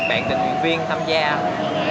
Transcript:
tình nguyện viên tham gia